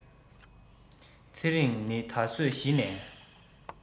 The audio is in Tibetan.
ཚེ རིང ནི ད གཟོད གཞི ནས